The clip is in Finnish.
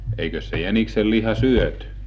eikös se jäniksenliha syöty